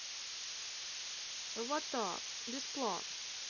аватар бесплатно